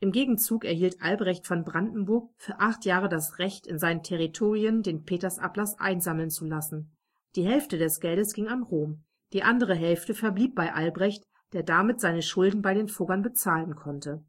Gegenzug erhielt Albrecht von Brandenburg für acht Jahre das Recht, in seinen Territorien den Petersablass einsammeln zu lassen. Die Hälfte des Geldes ging an Rom, die andere Hälfte verblieb bei Albrecht, der damit seine Schulden bei den Fuggern bezahlen konnte